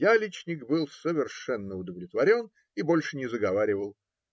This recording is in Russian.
Яличник был совершенно удовлетворен и больше не заговаривал.